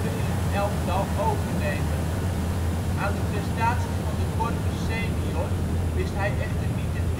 in het elftal overnemen. Aan de prestaties van De Korver senior wist hij echter niet te tippen